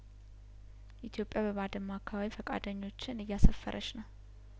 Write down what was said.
ኢትዮጵያ በባድመ አካባቢ ፈቃደኞችን እያሰፈረች ነው